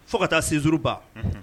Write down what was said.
Fo ka taa séjour ban unhun